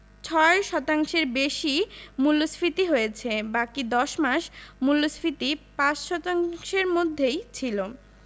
৬ শতাংশের বেশি মূল্যস্ফীতি হয়েছে বাকি ১০ মাস মূল্যস্ফীতি ৫ শতাংশের মধ্যেই ছিল